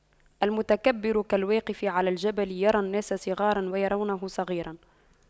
المتكبر كالواقف على الجبل يرى الناس صغاراً ويرونه صغيراً